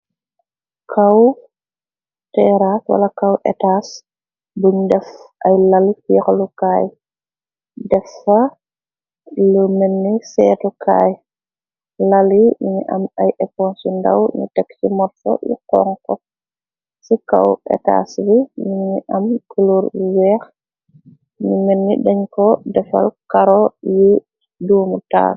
Kaw teeraa wala kaw etaas. Buñ def ay lali fiexlukaay. Defa lu mënni seetukaay lali mini am ay epon yi ndaw. Nyu tekk ci motfo yu xong kop ci kaw etaas bi. Mi ngi am kulur weex ñu mënni dañ ko defal karo yi duumu taal.